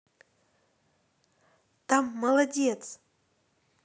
там молодец